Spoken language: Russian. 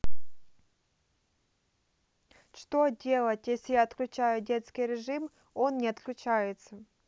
что делать если я отключаю детский режим он не отключается